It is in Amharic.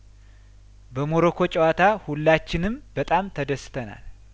በሞሮኮ ጨዋታ ሁላችንም በጣም ተደስተናል